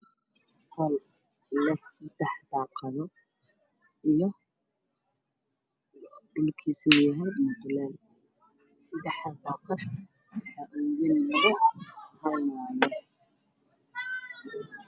Waa qol leh seddex daaqado, dhulkiisu waa mutuleel. Seddexda daaqad labo waa waaweyn halna waa yar tahay.